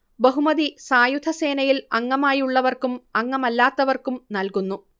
ബഹുമതി സായുധസേനയിൽ അംഗമായുള്ളവർക്കും അംഗമല്ലാത്തവർക്കും നൽകുന്നു